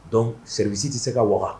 Don sebisi tɛ se ka waga